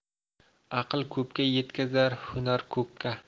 aql ko'pga yetkazar hunar ko'kka